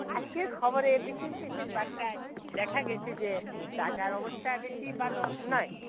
আজকের খবর বিশেষ বিশেষ বার্তায় দেখা গেছে যে ঢাকার অবস্থা বেশি ভাল নয়